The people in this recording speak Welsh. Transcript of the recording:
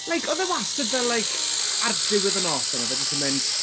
Like oedd e wastad fel like ar diwedd y noson oedd e jyst yn mynd...